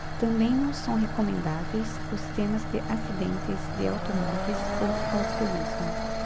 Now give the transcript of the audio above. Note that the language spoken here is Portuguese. também não são recomendáveis os temas de acidentes de automóveis ou alcoolismo